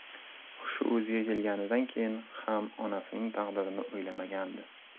hushi o'ziga kelganidan keyin ham onasining taqdirini o'ylamagandi